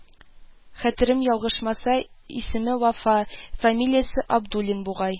Хәтерем ял-гышмаса, исеме Вафа, фамилиясе Абдуллин бугай